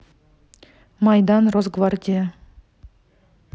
майдан росгвардия